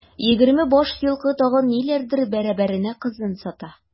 Егерме баш елкы, тагын ниләрдер бәрабәренә кызын сата.